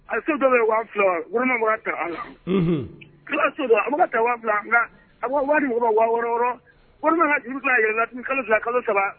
Ayi so dɔ bɛ yen 10000 gouvernement tigɛ an la. Unhun. Ne ka so don, a bɛ ka ta 10000 nka o bɛ ka di mɔgɔw ma 30000, 30000. gouvernement ka juru to a yɛlɛla kalo 2 kalo 3